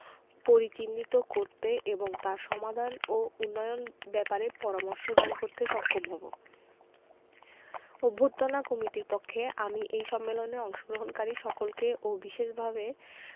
পরিচিহ্নিত করতে এবং তার সমাধান ও উন্নয়ন ব্যাপারে পরামর্শ দান করতে সক্ষম হবো অভ্যর্থনা কমিটির পক্ষে আমি এই সম্মেলনে অংশগ্রহণকারী সকলকে ও বিশেষভাবে